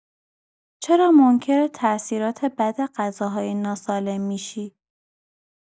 چرا منکر تاثیرات بد غذاهای ناسالم می‌شی؟